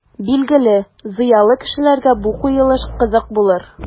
Билгеле, зыялы кешеләргә бу куелыш кызык булыр.